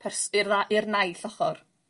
pers- i'r dda- i'r naill ochor.